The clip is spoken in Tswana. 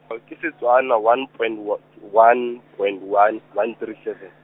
ke Setswana one point o-, one point one, one three seven.